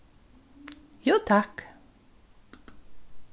jú takk